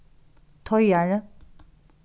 teigari